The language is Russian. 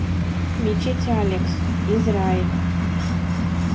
мечеть алекс израиль